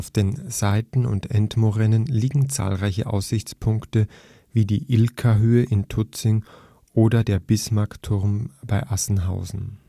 den Seiten - und Endmoränen liegen zahlreiche Aussichtspunkte wie die Ilkahöhe in Tutzing oder der Bismarckturm bei Assenhausen